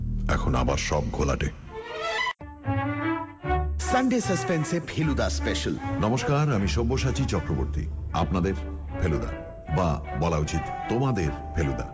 এখন আবার সব ঘোলাটে সানডে সাসপেন্সে ফেলুদা স্পেশাল নমস্কার আমি সব্যসাচী মুখার্জী আপনাদের ফেলুদা বা বলা উচিত তোমাদের ফেলুদা